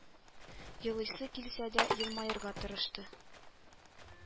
Елыйсы килсә дә, елмаерга тырышты